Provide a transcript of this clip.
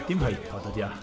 Dim "Hypod" ydy o.